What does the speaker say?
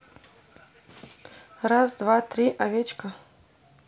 раз два три овечка